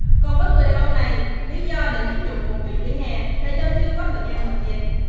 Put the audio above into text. còn với người đàn ông này lý do để chiếm dụng một chút vỉa hè là do chưa có thời gian dọn dẹp